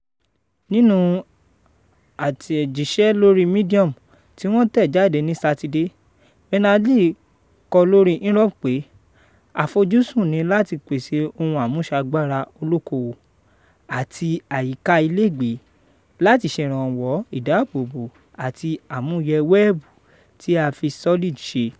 Nínú àtljíṣẹ́ lórí Medium tí wọ́n tẹ̀jáde ní sátidé, Berners-Lee kọ lórí Inrupts pé “àfojúsùn ni láti pèsè ohun àmúṣagbara olókòwò àti àyíká ilegbèè láti ṣèrànwọ́ ìdáàbòbò àti àmúyẹ wẹ́ẹ̀bù tí a fi Solid ṣe.”